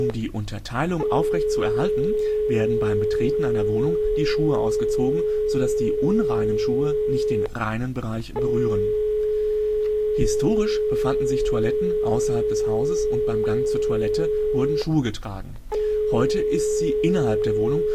die Unterteilung aufrecht zu erhalten, werden beim Betreten einer Wohnung die Schuhe ausgezogen, so dass die „ unreinen “Schuhe nicht den „ reinen “Bereich berühren. Historisch befanden sich Toiletten außerhalb des Hauses, und beim Gang zur Toilette wurden Schuhe getragen. Heute ist sie innerhalb der Wohnung